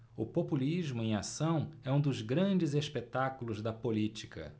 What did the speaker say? o populismo em ação é um dos grandes espetáculos da política